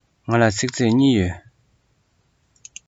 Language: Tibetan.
ང ལ ཚིག མཛོད གཉིས ཡོད